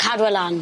Cadw e lan.